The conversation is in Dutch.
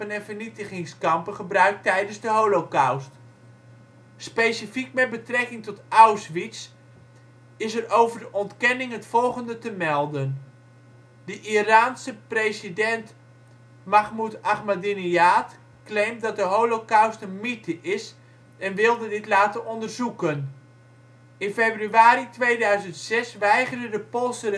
en vernietigingskampen gebruikt tijdens de Holocaust. Specifiek met betrekking tot Auschwitz is over de ontkenning het volgende te melden: De Iraanse president Mahmoud Ahmadinejad claimt dat de Holocaust een mythe is en wilde dit laten onderzoeken. In februari 2006 weigerde de Poolse regering